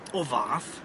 O fath.